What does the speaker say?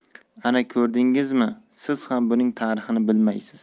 ana ko'rdingizmi siz ham buning tarixini bilmaysiz